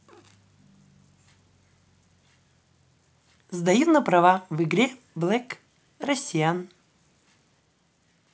сдаю на права в игре black russian